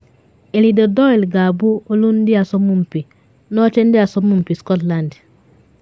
Eilidh Doyle ga-abụ “olu ndị asọmpi” na oche Ndị Asọmpi Scotland